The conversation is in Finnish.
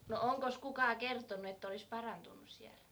no onkos kukaan kertonut että olisi parantunut siellä